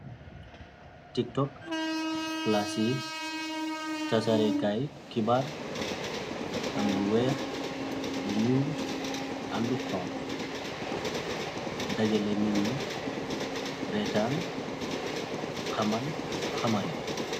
Tiktok palasir tasarekaay kibaar am lu weex yu ñyuul amlu xonku dajale nitni reetaan xamal xamale.